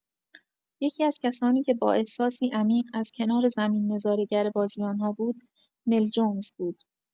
یکی‌از کسانی که با احساسی عمیق از کنار زمین نظاره‌گر بازی آنها بود، مل جونز بود.